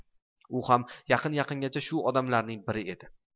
u ham yaqin yaqingacha shu odamlarning biri edi